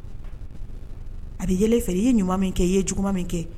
A bɛ yɛlɛ i fɛ i ye ɲuman min kɛ i ye juguma min kɛ.